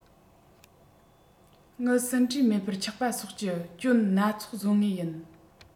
ངའི ཟིན བྲིས མེད པར ཆགས པ སོགས ཀྱི སྐྱོན སྣ ཚོགས བཟོས ངེས ཡིན